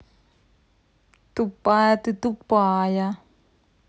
тупая ты тупая